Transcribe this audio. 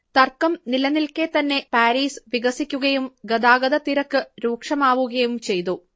തർക്കം നിലനിൽക്കെത്തന്നെ പാരീസ് വികസിക്കുകയും ഗതാഗതത്തിരക്ക് രൂക്ഷമാവുകയും ചെയ്തു